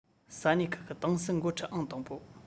ས གནས ཁག གི ཏང སྲིད འགོ ཁྲིད ཨང དང པོ